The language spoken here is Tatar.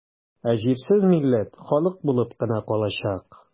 Ә җирсез милләт халык булып кына калачак.